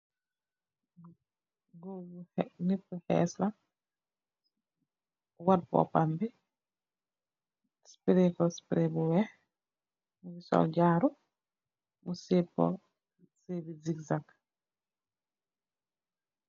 Nit ku xees la, wat boopam bi, espiree ko, espiree bu weex, sol jaaru, mu sëëb ko, sëëb i sik zak.